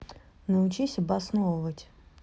научись обосновать